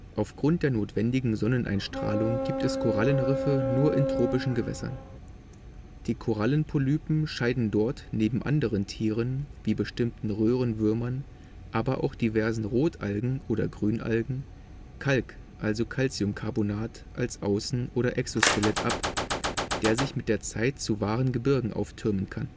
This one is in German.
Aufgrund der notwendigen Sonneneinstrahlung gibt es Korallenriffe nur in tropischen Gewässern. Die Korallenpolypen scheiden dort neben anderen Tieren wie bestimmten Röhrenwürmern, aber auch diversen Rotalgen oder Grünalgen, Kalk (Calciumcarbonat) als Außen - oder Exoskelett ab, der sich mit der Zeit zu wahren Gebirgen auftürmen kann